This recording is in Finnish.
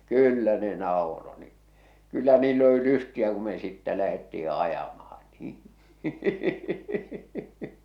kyllä ne nauroi niin kyllä niillä oli lystiä kun me sitten lähdettiin ajamaan niin